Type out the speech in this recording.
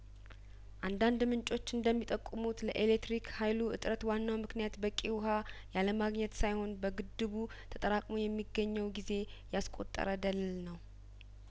አንዳንድ ምንጮች እንደሚጠቁሙት ለኤሌትሪክ ሀይሉ እጥረት ዋናው ምክንያት በቂ ውሀ ያለማግኘት ሳይሆን በግድቡ ተጠራቅሞ የሚገኘው ጊዜ ያስቆጠረ ደለል ነው